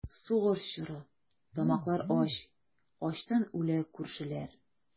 Сугыш чоры, тамаклар ач, Ачтан үлә күршеләр.